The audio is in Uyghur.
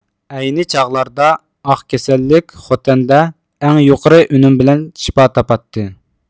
ئەينى چاغلاردا ئاق كېسەللىك خوتەندە ئەڭ يۇقىرى ئۈنۈم بىلەن شىپا تاپاتتى